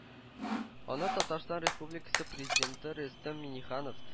Аны Татарстан Республикасы Президенты Рөстәм Миңнеханов